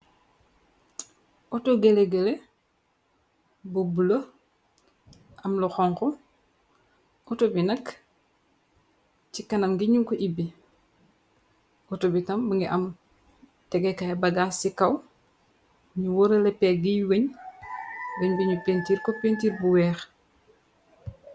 auto géle gele bu bula am la xonko auto bi nakk ci kanam ngi nu ko ibbé atobitam ba ngi am tégekaay bagaas ci kaw nu warale peg giy weñ geñ bi nu pintiir ko pintiir bu weex